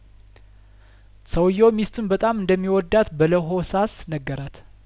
ሰውዬው ሚስቱን በጣም እንደሚወዳት በለሆሳ ስነገራት